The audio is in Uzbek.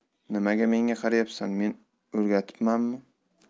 nimaga menga qarayapsan men o'rgatibmanmi